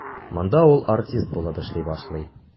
Монда ул артист булып эшли башлый.